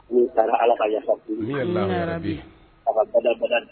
U taara ala ka yafa bi a ka